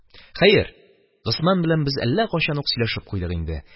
Хәер, Госман белән без әллә кайчан ук сөйләшеп куйдык инде.